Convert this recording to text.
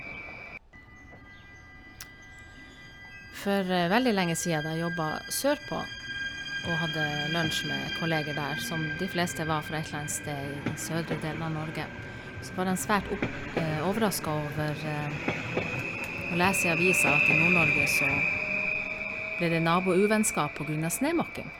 For veldig lenge sia, da jeg jobba sørpå og hadde lunsj med kolleger der, som de fleste var fra et eller annet sted i den søndre delen av Norge, så var dem svært opp overraska over å lese i avisa at i Nord-Norge så ble det nabo-uvennskap på grunn av snømåking.